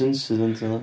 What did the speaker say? Incident oedd o.